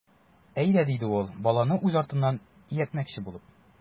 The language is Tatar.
Әйдә,— диде ул, баланы үз артыннан ияртмөкче булып.